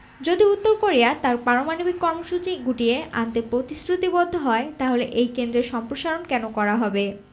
যদি উত্তর কোরিয়া তার পারমাণবিক কর্মসূচি গুটিয়ে আনতে প্রতিশ্রুতিবদ্ধ হয় তাহলে এই কেন্দ্রের সম্প্রসারণ কেন করা হবে